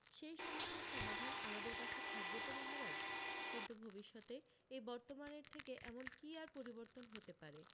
সেই সমস্যার সমাধান আমাদের কাছে থাকবে তো মহারাজ কিন্তু ভবিষ্যতে এই বর্তমানের থেকে এমন কী আর পরিবর্তন হতে পারে